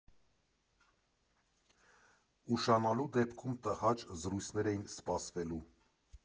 Ուշանալու դեպքում տհաճ զրույցներ էին սպասվելու.